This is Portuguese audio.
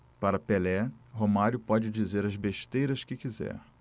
para pelé romário pode dizer as besteiras que quiser